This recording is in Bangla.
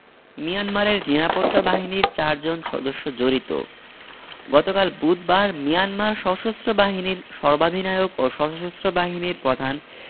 মিয়ানমারের নিরাপত্তা বাহিনীর চারজন সদস্য জড়িত গতকাল বুধবার মিয়ানমার সশস্ত্র বাহিনীর সর্বাধিনায়ক ও সশস্ত্র বাহিনীর প্রধান